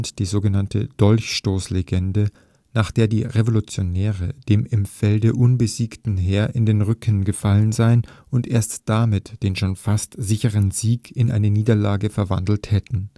die sogenannte Dolchstoßlegende, nach der die Revolutionäre dem „ im Felde unbesiegten “Heer in den Rücken gefallen seien und erst damit den fast sicheren Sieg in eine Niederlage verwandelt hätten